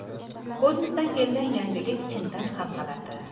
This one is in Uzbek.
kosmosdan kelgan yangilikdan chindan ham g'alati